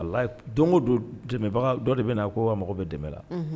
A don donbagaw dɔ de bɛ na a ko wa mɔgɔ bɛ dɛmɛ la